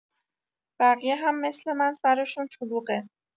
بقیه هم مثل من سرشون شلوغه.